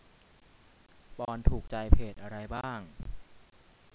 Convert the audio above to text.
ปอนด์ถูกใจเพจอะไรบ้าง